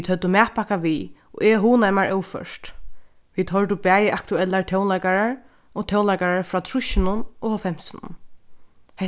vit høvdu matpakka við og eg hugnaði mær óført vit hoyrdu bæði aktuellar tónleikarar og tónleikarar frá trýssunum og hálvfemsunum